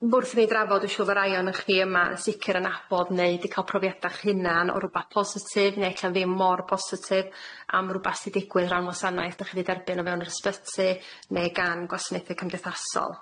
Wrth i ni drafod dwi'n siŵr fy rai o'n i chi yma yn sicir yn nabod neu di ca'l profiada'ch hunan o rwbath positif ne' ella'n ddim mor positif am rwbath sy' digwydd ran gwasanaeth dych chi di derbyn o fewn yr ysbyty ne' gan gwasanaethe cymdeithasol.